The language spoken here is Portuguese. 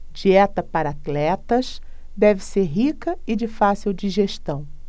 dieta para atletas deve ser rica e de fácil digestão